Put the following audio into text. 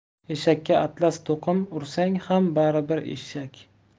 eshakka atlas to'qim ursang ham bari bir eshak